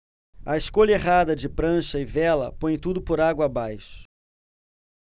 a escolha errada de prancha e vela põe tudo por água abaixo